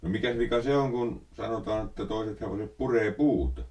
no mikäs vika se on kun sanotaan että toiset hevoset puree puuta